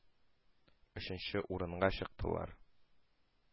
Өченче урынга чыктылар.